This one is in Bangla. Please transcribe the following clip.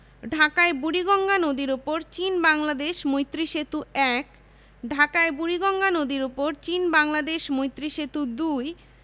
প্রধান খাদ্যঃ চা গম সবজি ডাল মাছ এবং মাংস প্রধান শস্যঃ ধান পাট গম আলু চা তামাক ইক্ষু